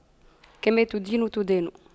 كما تدين تدان